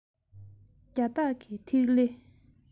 རྒྱ སྟག གི ཐིག ལེ